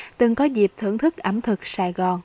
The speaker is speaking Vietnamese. từng có dịp thưởng thức ẩm thực sài gòn